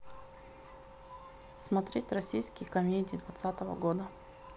смотреть российские комедии двадцатого года